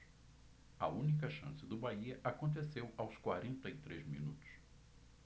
a única chance do bahia aconteceu aos quarenta e três minutos